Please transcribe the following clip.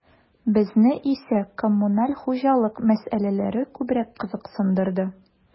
Безне исә коммуналь хуҗалык мәсьәләләре күбрәк кызыксындырды.